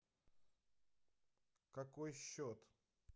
какой счет